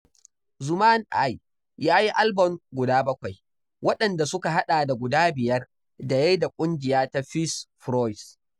Xuman I ya yi albon guda 7, wanɗanda suka haɗa da guda 5 da ya yi da ƙungiya ta Pees Froiss.